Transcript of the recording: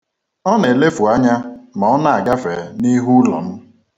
Ọ na-elefù anya ma ọ na-agafe n'ihu ụlọ m.